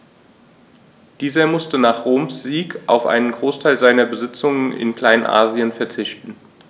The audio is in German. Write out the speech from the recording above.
Dieser musste nach Roms Sieg auf einen Großteil seiner Besitzungen in Kleinasien verzichten.